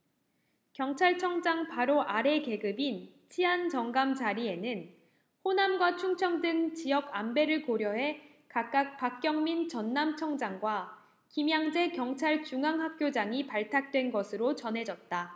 경찰청장 바로 아래 계급인 치안정감 자리에는 호남과 충청 등 지역 안배를 고려해 각각 박경민 전남청장과 김양제 경찰중앙학교장이 발탁된 것으로 전해졌다